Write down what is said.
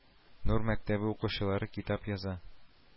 Нур мәктәбе укучылары китап яза